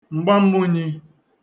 mgbammūnyī